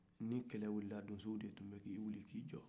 ni kɛlɛ wulila donsow de tum bɛ wuli k'u jɔ